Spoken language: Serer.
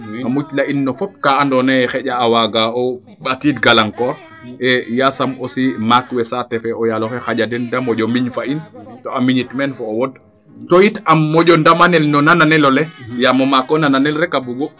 a mucla in no fop kaa ando naye xaƴa a waaga o a tiid galangkor yasam aussi maak we saate fe o yaloxe xaƴa den de moƴo miñ fo in to a micit meen fo'o wod to yit a moƴo ndamanel no o nanelo le yaam o maak o nana nel rek a bugu